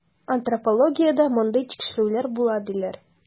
Антропологиядә мондый тикшерүләр була, диләр.